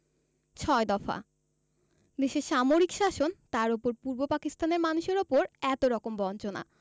ছয় দফা দেশে সামরিক শাসন তার ওপর পূর্ব পাকিস্তানের মানুষের ওপর এতরকম বঞ্চনা